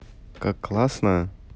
как классно